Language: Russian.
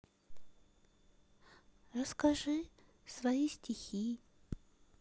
расскажи свои стихи